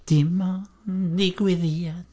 Dim ond digwyddiad.